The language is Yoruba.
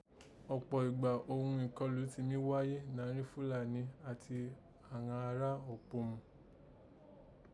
Ọ̀pọ̀ ìgbà òghun ìkọlù tí mi gháyé nàárín Fúlàní àti àghan ará Apòmù